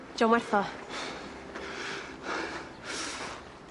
'diom werth o.